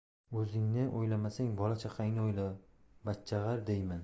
o'zingni o'ylamasang bola chaqangni o'yla bachchag'ar deyman